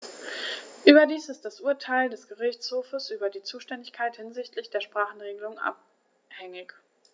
Überdies ist das Urteil des Gerichtshofes über die Zuständigkeit hinsichtlich der Sprachenregelung anhängig.